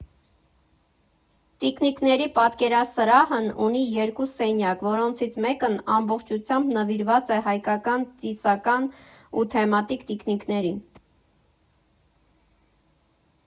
Տիկնիկների պատկերասրահն ունի երկու սենյակ, որոնցից մեկն ամբողջությամբ նվիրված է հայկական ծիսական ու թեմատիկ տիկնիկներին։